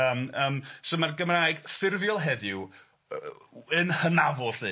Yym yym so ma'r Gymraeg ffurfiol heddiw yn hynafol 'lly.